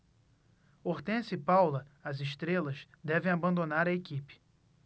hortência e paula as estrelas devem abandonar a equipe